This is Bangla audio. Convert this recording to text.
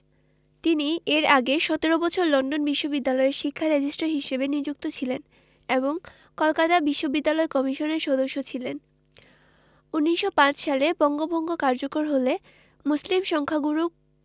তিনি এর আগে ১৭ বছর লন্ডন বিশ্ববিদ্যালয়ের শিক্ষা রেজিস্ট্রার হিসেবে নিযুক্ত ছিলেন এবং কলকাতা বিশ্ববিদ্যালয় কমিশনের সদস্য ছিলেন ১৯০৫ সালে বঙ্গভঙ্গ কার্যকর হলে মুসলিম সংখ্যাগুরু